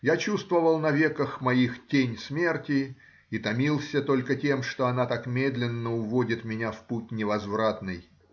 я чувствовал на веках моих тень смерти и томился только тем, что она так медленно уводит меня в путь невозвратный.